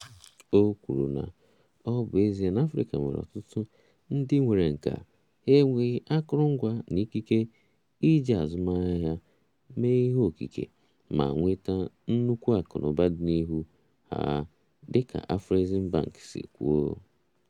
O kwuru na ọ bụ ezie na Afrịka nwere ọtụtụ ndị nwere nkà, ha enweghị akụrụngwa na ikike iji azụmaahịa ha mee ihe okike ma nweta nnukwu akụnụba dị n'ihu ha, dịka Afreximbank si kwuo.